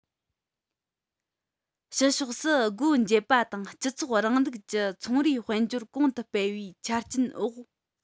ཕྱི ཕྱོགས སུ སྒོ འབྱེད པ དང སྤྱི ཚོགས རིང ལུགས ཀྱི ཚོང རའི དཔལ འབྱོར གོང དུ སྤེལ བའི ཆ རྐྱེན འོག